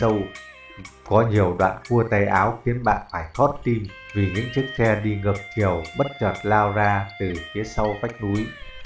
và nhiều đoạn cua tay áo khiến bạn phải thót tim vì những chiếc xe đi ngược chiều bất chợt lao ra từ phía sau vách núi